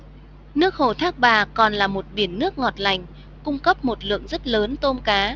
nước hồ thác bà còn là một biển nước ngọt lành cung cấp một lượng rất lớn tôm cá